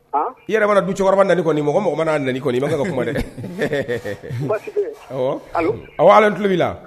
An , I yɛrɛ mana du cɛkɔrɔba nani kɔni mɔgɔ o mɔgɔ mana a nɛni o kɔni i ma ba asi t'i la, allo an tulo bi la